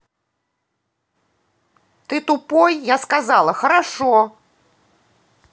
ты тупой я сказала хорошо